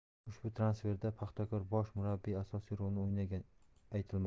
ushbu transferda paxtakor bosh murabbiyi asosiy rolni o'ynagani aytilmoqda